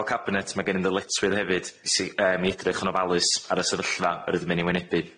Fel cabinet ma' gennym ddyletswydd hefyd i si- yym i edrych yn ofalus ar y sefyllfa yr ydym yn'i wynebu.